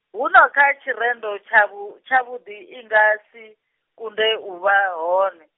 huno kha tshirendo tsha vhu-, tshavhuḓi i nga si, kundwe u vha hone.